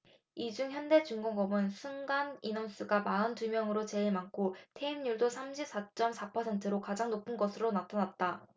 이 중 현대중공업은 순감 임원수가 마흔 두 명으로 제일 많고 퇴임률도 삼십 사 쩜 사 퍼센트로 가장 높은 것으로 나타났다